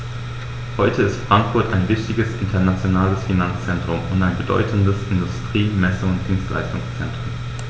Heute ist Frankfurt ein wichtiges, internationales Finanzzentrum und ein bedeutendes Industrie-, Messe- und Dienstleistungszentrum.